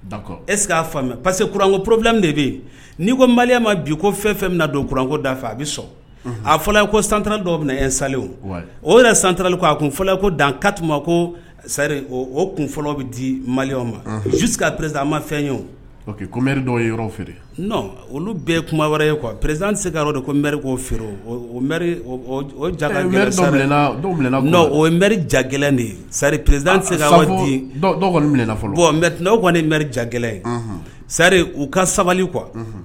Ea pa parce que kuranko poropl de bɛ yen n'i ko maliya ma bi ko fɛn fɛn bɛna don kuranko da fɛ a bɛ sɔn a ko san tanra dɔw na sa o san tanrali a ko dan ka ma ko sari o kunfɔlɔ bɛ di mali masi ka perez a ma fɛn ye o ɔ queri feere olu bɛɛ kuma wɛrɛ e kuwa perezanse ka yɔrɔ ko mri oo feere o m jagɛ de yeri perezse kɔni nin mri jagɛ ye sari u ka sabali qu